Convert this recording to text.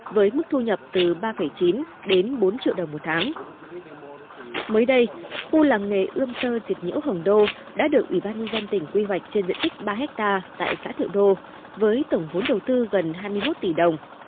với mức thu nhập từ ba phẩy chín đến bốn triệu đồng một tháng mới đây khu làng nghề ươm tơ dệt nhiễu hồng đô đã được ủy ban nhân dân tỉnh quy hoạch trên diện tích ba héc ta tại xã thiệu đô với tổng vốn đầu tư gần hai mươi mốt tỷ đồng